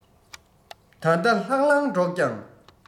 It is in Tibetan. ད ལྟ ལྷང ལྷང སྒྲོག ཀྱང